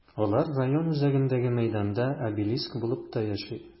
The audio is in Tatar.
Алар район үзәгендәге мәйданда обелиск булып та яши.